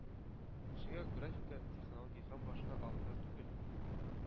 Кешегә графика, технология һәм башка алымнар түгел,